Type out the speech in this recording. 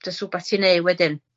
jys rwbath ti neu' wedyn.